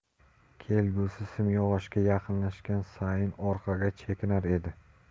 kelgusi simyog'ochga yaqinlashgan sayin orqaga chekinar edi